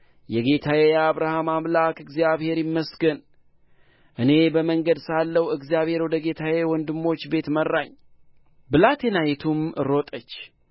የጌታዬ የአብርሃም አምላክ እግዚአብሔር ይመስገን እኔ በመንገድ ሳለሁ እግዚአብሔር ወደ ጌታዬ ወንድሞች ቤት መራኝ ብላቴናይቱም ሮጠች